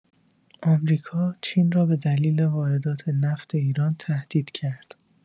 آمریکا، چین را به دلیل واردات نفت ایران تهدید کرد